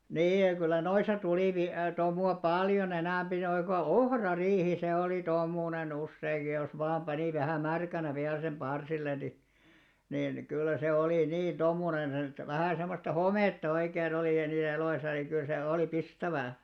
niin ja kyllä noissa tuli - tomua paljon enempi noin kuin ohrariihi se oli tomuinen useinkin ja jos vain pani vähän märkänä vielä sen parsille niin niin kyllä se oli niin tomuinen - että vähän semmoista hometta oikein oli ja niissä eloissa niin kyllä se oli pistävää